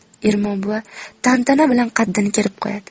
ermon buva tantana bilan qaddini kerib qo'yadi